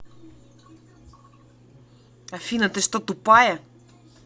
афина ты что тупая